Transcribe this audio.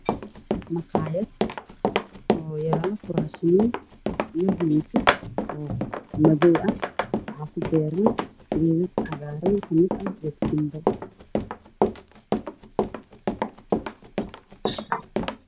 Meeshaan waa meel qurux badan oo ay ka baxayaan geedo qurqurxan